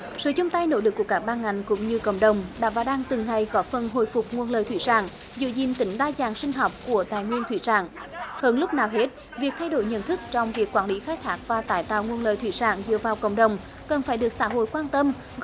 sự chung tay nỗ lực của các ban ngành cũng như cộng đồng đã và đang từng ngày góp phần hồi phục nguồn lợi thủy sản giữ gìn tính đa dạng sinh học của tài nguyên thủy sản hơn lúc nào hết việc thay đổi nhận thức trong việc quản lý khai thác và tái tạo nguồn lợi thủy sản dựa vào cộng đồng cần phải được xã hội quan tâm